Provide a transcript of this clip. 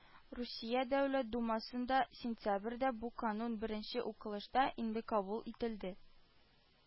Русия Дәүләт Думасында сентябрьдә бу канун беренче укылышта инде кабул ителде